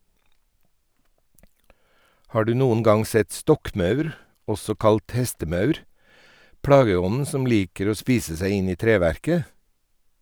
Har du noen gang sett stokkmaur , også kalt hestemaur, plageånden som liker å spise seg inn i treverket?